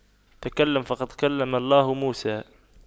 تكلم فقد كلم الله موسى